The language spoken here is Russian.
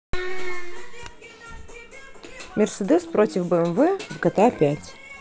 мерседес против бмв в гта пять